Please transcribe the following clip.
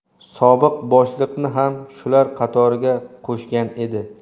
sobiq boshliqni ham shular qatoriga qo'shgan edi